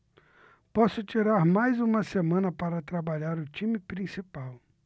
posso tirar mais uma semana para trabalhar o time principal